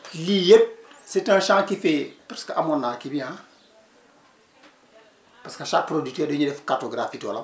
lii yëpp c' est un champs qui fait presque amoon naa kii bi ah parce que chaque producteur dañuy def cartographie toolam